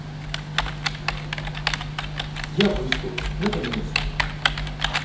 я выспалась наконец то